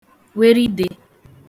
weride